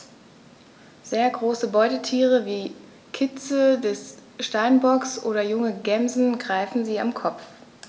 Sehr große Beutetiere wie Kitze des Steinbocks oder junge Gämsen greifen sie am Kopf.